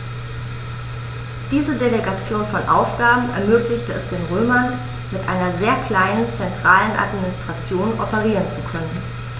Diese Delegation von Aufgaben ermöglichte es den Römern, mit einer sehr kleinen zentralen Administration operieren zu können.